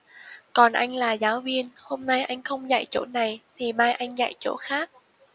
còn anh là giáo viên hôm nay anh không dạy chỗ này thì mai anh dạy chỗ khác